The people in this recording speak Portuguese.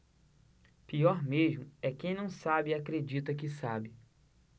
pior mesmo é quem não sabe e acredita que sabe